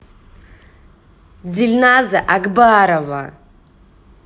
дильназа акбарова